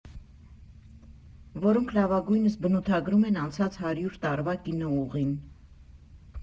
Որոնք լավագույնս բնութագրում են անցած հարյուր տարվա կինոուղին։